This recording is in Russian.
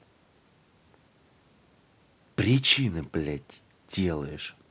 причины блядь делаешь